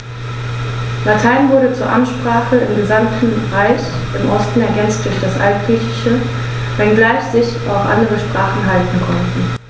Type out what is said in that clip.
Latein wurde zur Amtssprache im gesamten Reich (im Osten ergänzt durch das Altgriechische), wenngleich sich auch andere Sprachen halten konnten.